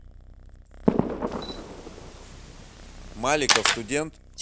маликов студент